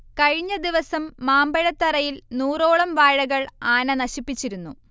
കഴിഞ്ഞദിവസം മാമ്പഴത്തറയിൽ നൂറോളം വാഴകൾ ആന നശിപ്പിച്ചിരുന്നു